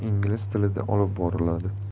ingliz tilida olib boriladi